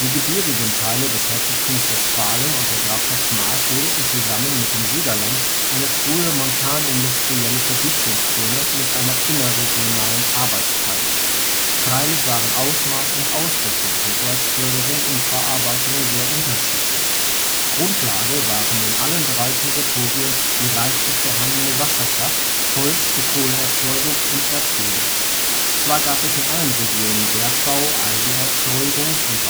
gebirgigen Teile des Herzogtums Westfalen und der Grafschaft Mark bildeten zusammen mit dem Siegerland eine frühe montanindustrielle Verdichtungszone mit einer innerregionalen „ Arbeitsteilung “. Freilich waren Ausmaß und Ausrichtung von Erzförderung und - verarbeitung sehr unterschiedlich. Grundlage waren in allen drei Territorien die reichlich vorhandene Wasserkraft, Holz zur Kohleerzeugung und Erzgruben. Zwar gab es in allen Regionen Bergbau, Eisenerzeugungs - und